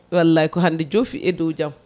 wallay ko hande joofi e dow jaam